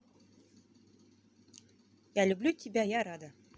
я люблю тебя я тебя рада